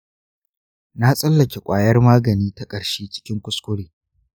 na tsallake ƙwayar magani ta ƙarshe cikin kuskure.